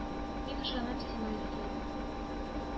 Тәмуг кунагының хәтере калды.